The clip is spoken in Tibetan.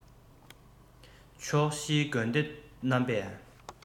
ཕྱོགས བཞིའི དགོན སྡེ རྣམ པས